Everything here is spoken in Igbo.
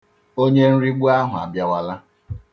Onyenrigbu ahụ abịawala.